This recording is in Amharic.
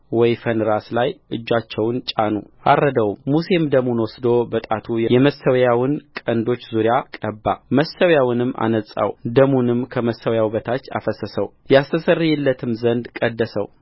ወይፈን ራስ ላይ እጆቻቸውን ጫኑአረደውም ሙሴም ደሙን ወስዶ በጣቱ የመሠዊያውን ቀንዶች ዙሪያ ቀባ መሠዊያውንም አነጻው ደሙንም ከመሠዊያው በታች አፈሰሰው ያስተሰርይለትም ዘንድ ቀደሰው